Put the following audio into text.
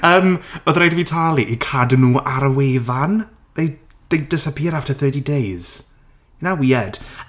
Yym, oedd rhaid i fi talu i cadw nhw ar y wefan. They they disappear after thirty days. 'In't that weird?